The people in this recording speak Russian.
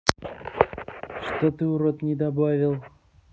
что ты урод не добавил